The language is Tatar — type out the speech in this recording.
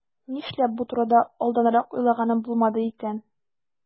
Нишләп бу турыда алданрак уйлаганым булмады икән?